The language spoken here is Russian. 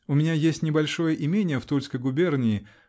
У меня есть небольшое имение в Тульской губернии.